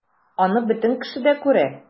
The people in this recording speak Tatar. Аны бөтен кеше дә күрә...